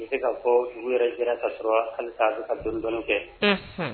N bɛ se k'a fɔ sugu yɛrɛ jɛra ka sɔrɔ ka ka dudw kɛ